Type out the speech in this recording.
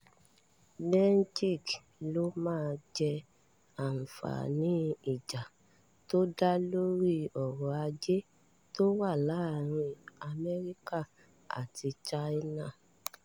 Beijing ló máa jẹ àǹfààní ìjà tó dá lórí ọrọ̀-ajé tó wá láàrin Amẹ́ríkà àti China